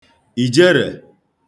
ìjerè